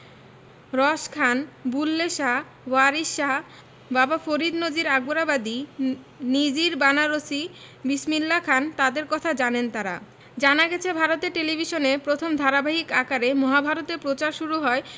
রস খান বুল্লে শাহ ওয়ারিশ শাহ বাবা ফরিদ নজির আকবরাবাদি নিজির বানারসি বিসমিল্লা খান তাঁদের কথা জানেন তাঁরা জানা গেছে ভারতের টেলিভিশনে প্রথম ধারাবাহিক আকারে মহাভারত এর প্রচার শুরু হয়